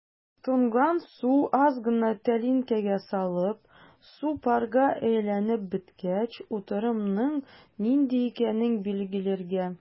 Тонган суны аз гына тәлинкәгә салып, су парга әйләнеп беткәч, утырымның нинди икәнен билгеләргә.